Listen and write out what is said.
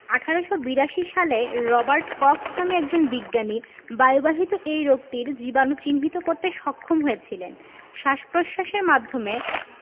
১৮৮২ সালে Robert Koch নামে একজন বিজ্ঞানী বায়ুবাহিত এ রোগটির জীবাণু চিহ্নিত করতে সক্ষম হয়েছিলেন শ্বাস প্রশ্বাসের মাধ্যমে